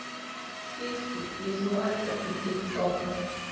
песни из лайка и тик тока